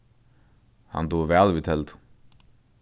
hann dugir væl við teldum